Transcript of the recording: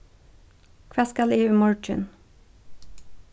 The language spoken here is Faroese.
hvat skal eg í morgin